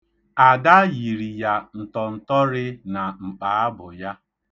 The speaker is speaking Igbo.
Ada yiri ya ntọntọrị na mkpaabụ ya.